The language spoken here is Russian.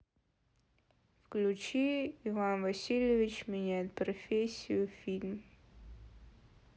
включи иван васильевич меняет профессию фильм